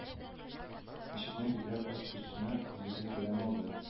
Ишекне бикләп ачкычны үзебез белән алдык